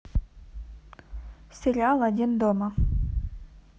сериал один дома